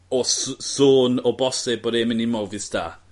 o s- sôn o bosib bod e'n mynd i Movistar.